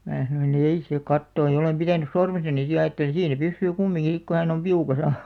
minä sanoin ei se katoa ja olen pitänyt sormessani sitten ja ajattelin siinä se pysyy kumminkin sitten kun hän on piukassa